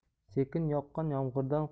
sekin yoqqan yomg'irdan